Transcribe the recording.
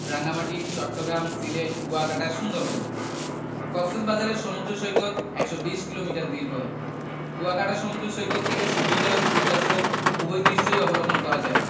রাঙ্গামাটি চট্টগ্রাম সিলেট কুয়াকাটা সুন্দরবন কক্সবাজারের সমুদ্র সৈকত ১২০ কিলোমিটার দীর্ঘ কুয়াকাটা সমুদ্র সৈকত থেকে সূর্যোদয় ও সূর্যাস্ত উভয় দৃশ্যই অবলোকন করা যায়